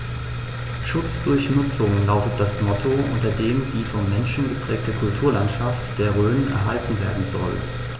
„Schutz durch Nutzung“ lautet das Motto, unter dem die vom Menschen geprägte Kulturlandschaft der Rhön erhalten werden soll.